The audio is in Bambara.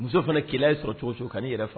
Muso fana kɛlɛ ye sɔrɔ cogo kai yɛrɛ